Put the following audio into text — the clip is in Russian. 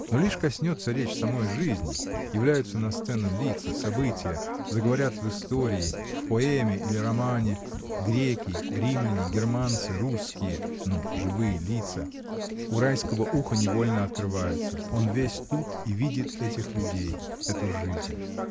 Но лишь коснется речь самой жизни, являются на сцену лица, события, заговорят в истории, в поэме или романе греки, римляне, германцы, русские — но живые лица, — у Райского ухо невольно открывается: он весь тут и видит этих людей, эту жизнь.